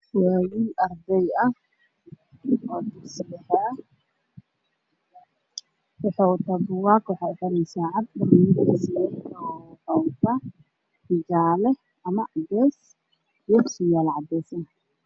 Waa will arday ah oo dugsi dhexe ah waxuu wadtaa bookgaag waxa uxiran saacad shaati kalarkiisu jaalo ama cadees iyo surwaal cadees ah